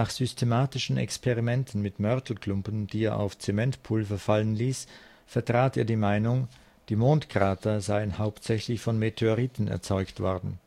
systematischen Experimenten mit Mörtelklumpen, die er auf Zementpulver fallen ließ, vertrat er die Meinung, die Mondkrater seien hauptsächlich von Meteoriten erzeugt worden